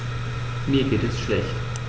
Mir geht es schlecht.